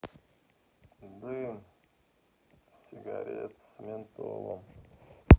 дым сигарет с ментолом